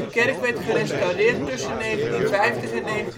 kerk werd gerestaureerd tussen 1950 en 1952